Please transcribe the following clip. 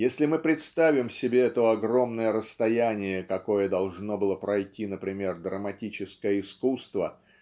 Если мы представим себе то огромное расстояние какое должно было пройти например драматическое искусство